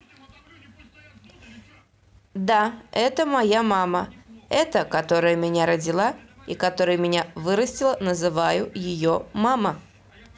да это моя мама это которая меня родила и которая меня вырастила называют ее мама